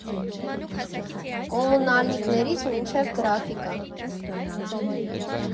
Կոմունալնիկներից մինչև գրաֆիկա։